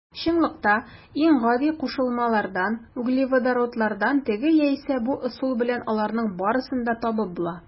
Чынлыкта иң гади кушылмалардан - углеводородлардан теге яисә бу ысул белән аларның барысын да табып була.